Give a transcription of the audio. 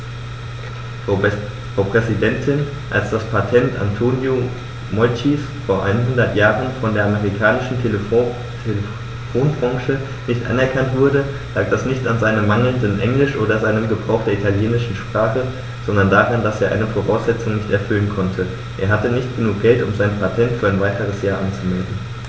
Frau Präsidentin, als das Patent Antonio Meuccis vor einhundert Jahren von der amerikanischen Telefonbranche nicht anerkannt wurde, lag das nicht an seinem mangelnden Englisch oder seinem Gebrauch der italienischen Sprache, sondern daran, dass er eine Voraussetzung nicht erfüllen konnte: Er hatte nicht genug Geld, um sein Patent für ein weiteres Jahr anzumelden.